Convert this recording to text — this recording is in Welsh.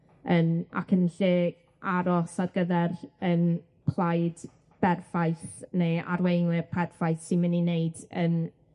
yn ac yn lle aros ar gyfer 'yn plaid berffaith neu arweinwyr perffaith sy mynd i wneud 'yn